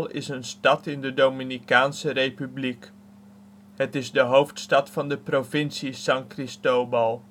is een stad in de Dominicaanse Republiek. Het is de hoofdstad van de provincie San Cristóbal